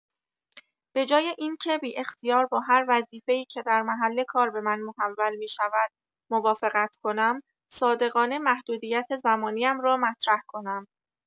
به‌جای اینکه بی‌اختیار با هر وظیفه‌ای که در محل کار به من محول می‌شود موافقت کنم، صادقانه محدودیت زمانی‌ام را مطرح کنم.